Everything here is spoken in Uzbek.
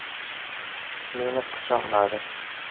meni quchoqladi